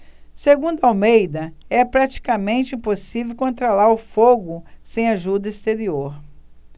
segundo almeida é praticamente impossível controlar o fogo sem ajuda exterior